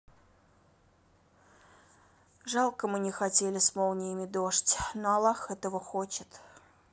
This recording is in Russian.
жалко мы не хотели с молниями дождь но аллах этого хочет